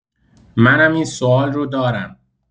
منم این سوال رو دارم